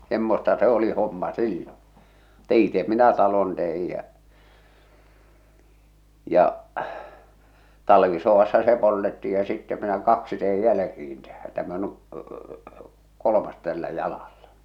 semmoista se oli homma silloin mutta itse minä talon tein ja ja talvisodassa se poltettiin ja sitten minä kaksi tein jälkeen tähän tämä on nyt kolmas tällä jalalla